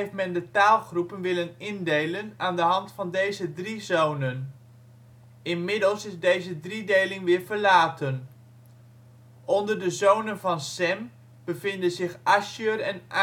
men de taalgroepen willen indelen aan de hand van deze 3 zonen. Inmiddels is deze driedeling weer verlaten. Onder de zonen van Sem bevinden zich Asshur en Aram